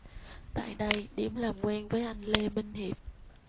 tại đây điểm làm quen với anh lê minh hiệp